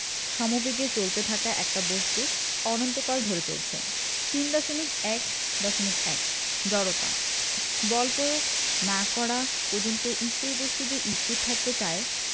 সমবেগে চলতে থাকা একটা বস্তু অনন্তকাল ধরে চলছে ৩.১.১ জড়তা বল পয়োগ না করা পর্যন্ত স্থির বস্তু যে স্থির থাকতে চায়